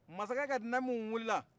masakɛ ka namu wulila